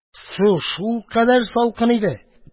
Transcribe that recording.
Су шулкадәр салкын иде